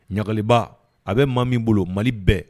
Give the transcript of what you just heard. Ɲagaliba a bɛ maa min bolo mali bɛɛ